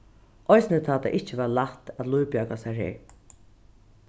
eisini tá tað ikki var lætt at lívbjarga sær her